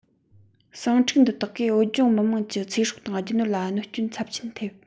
ཟིང འཁྲུག འདི དག གིས བོད ལྗོངས མི དམངས ཀྱི ཚེ སྲོག དང རྒྱུ ནོར ལ གནོད སྐྱོན ཚབས ཆེན ཐེབས